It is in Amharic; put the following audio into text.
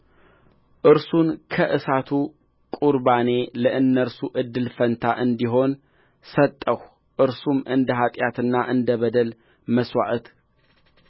እርሱን ከእሳቱ ቍርባኔ ለእነርሱ እድል ፈንታ እንዲሆን ሰጠሁ እርሱም እንደ ኃጢአትና እንደ በደል መሥዋዕት